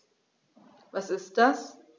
Was ist das?